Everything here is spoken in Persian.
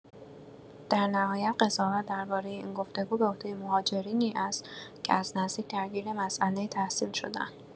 در نهایت قضاوت درباره این گفت‌وگو به عهده مهاجرینی است که از نزدیک درگیر مسئله تحصیل شده‌اند.